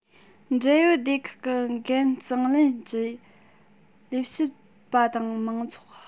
འབྲེལ ཡོད སྡེ ཁག གི འགན གཙང ལེན གྱིས ལས བྱེད པ དང མང ཚོགས